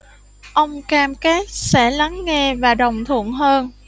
ông cam kết sẽ lắng nghe và đồng thuận hơn